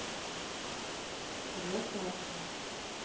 я кашу